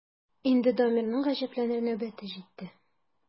Инде Дамирның гаҗәпләнер нәүбәте җитте.